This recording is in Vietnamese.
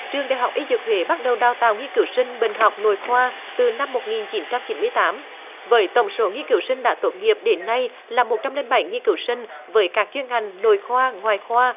trường đại học y dược huế bắt đầu đào tạo nghiên cứu sinh bệnh học nội khoa từ năm một nghìn chín trăm chín mươi tám vậy tổng số nghiên cứu sinh đã tốt nghiệp đến nay là một trăm linh bảy nghiên cứu sinh với các chuyên ngành nội khoa ngoại khoa